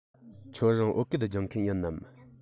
ཁྱོད རང བོད སྐད སྦྱོང མཁན ཡིན ནམ